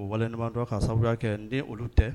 O wale ka sababuya kɛ n ni olu tɛ